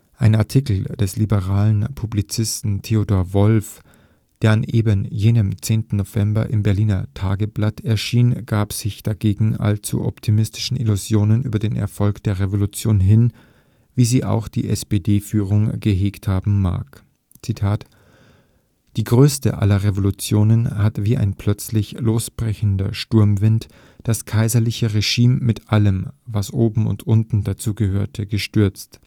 Ein Artikel des liberalen Publizisten Theodor Wolff, der an eben jenem 10. November im Berliner Tageblatt erschien, gab sich dagegen allzu optimistischen Illusionen über den Erfolg der Revolution hin, wie sie auch die SPD-Führung gehegt haben mag: „ Die größte aller Revolutionen hat wie ein plötzlich losbrechender Sturmwind das kaiserliche Regime mit allem, was oben und unten dazugehörte, gestürzt